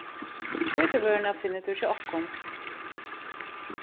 hvítu vøruna finnur tú hjá okkum